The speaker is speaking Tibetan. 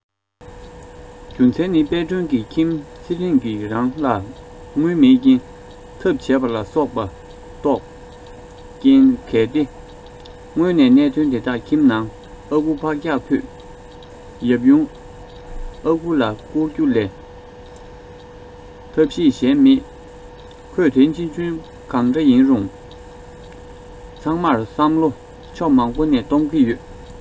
རྒྱུ མཚན ནི དཔལ སྒྲོན གྱི ཁྱིམ ཚེ རིང གི རང ལ དངུལ མེད རྐྱེན ཐབས བྱས པ ལ སོགས པ རྟོག རྐྱེན གལ ཏེ སྔོན ནས གནད དོན དེ དག ཁྱིམ ནང ཨ ཁུ ཕག སྐྱག ཕུད ཡབ ཡུམ ཨ ཁུ ལ བསྐུར རྒྱུ ལས ཐབས ཤེས གཞན མེད ཁོས དོན ཆེ ཆུང གང འདྲ ཡིན རུང ཚང མར བསམ བློ ཕྱོགས མང པོ ནས གཏོང གི ཡོད